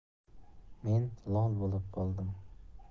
men lol bo'lib qoldim